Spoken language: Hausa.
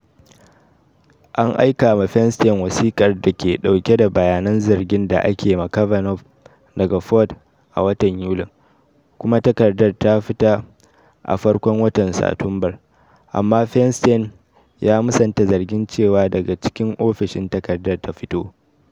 An aika ma Feinstein wasikar da ke dauke da bayanan zargin da ake ma Kavanaugh daga Ford a watan Yulin, kuma takaddar ta fita a farkon watan Satumbar - amma Feinstein ya musanta zargin cewa daga cikin ofishin takaddar ta fito.